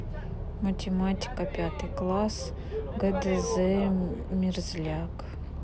математика пятый класс гдз мерзляк